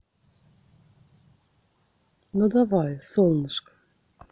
ну давай солнышко